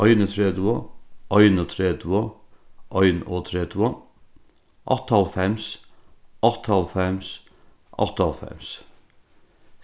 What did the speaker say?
einogtretivu einogtretivu einogtretivu áttaoghálvfems áttaoghálvfems áttaoghálvfems